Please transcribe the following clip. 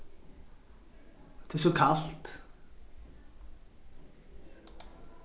tað er so kalt